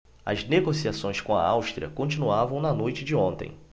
as negociações com a áustria continuavam na noite de ontem